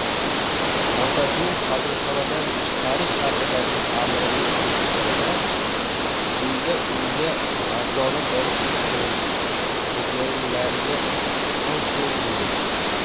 otasining kasalxonadan chiqarish haqidagi amrini eshitganida unda uyga mardona borib tursin xo'jayinlariga ayting dedi